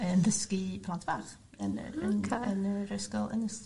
yn ddysgu plant bach. Yn yy yn... O oce. ...yn yr ysgol yn...